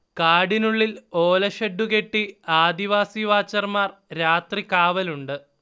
കാടിനുള്ളിൽ ഓലഷെഡ്ഡുകെട്ടി ആദിവാസി വാച്ചർമാർ രാത്രി കാവലുണ്ട്